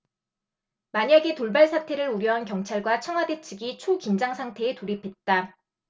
만약의 돌발 사태를 우려한 경찰과 청와대 측이 초긴장상태에 돌입했다